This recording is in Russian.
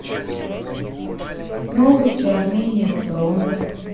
новости армения с фронта